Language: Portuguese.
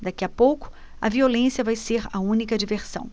daqui a pouco a violência vai ser a única diversão